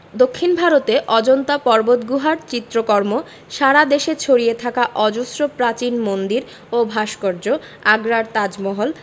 দক্ষিন ভারতে অজন্তা পর্বতগুহার চিত্রকর্ম সারা দেশে ছড়িয়ে থাকা অজস্র প্রাচীন মন্দির ও ভাস্কর্য আগ্রার তাজমহল